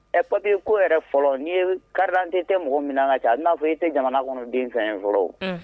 Ɛppi ko yɛrɛ fɔlɔ n'i ye kari tɛ tɛ mɔgɔ mina ka ca n'a fɔ i tɛ jamana kɔnɔ denfɛn fɔlɔ o